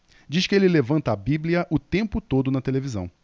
diz que ele levanta a bíblia o tempo todo na televisão